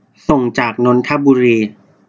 ส่งจากนนทบุรี